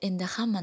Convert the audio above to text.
endi hamma